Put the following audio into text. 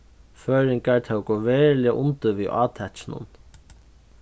føroyingar tóku veruliga undir við átakinum